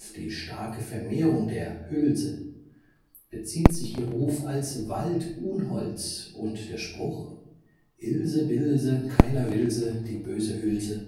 die starke Vermehrung der ' Hülse ' bezieht sich ihr Ruf als „ Waldunholz “und der Spruch: „ Ilse bilse, keiner willse, die böse Hülse